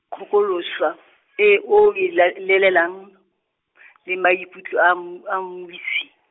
kgokolosa, eo e la- lelelang , le maikutlo a mm-, a mmuisi.